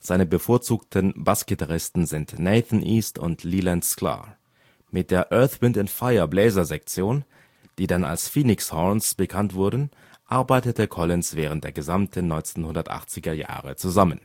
Seine bevorzugten Bassgitarristen sind Nathan East und Leland Sklar. Mit der EWF-Bläsersektion (die dann als Phenix Horns bekannt wurden) arbeitete Collins während der gesamten 1980er Jahre zusammen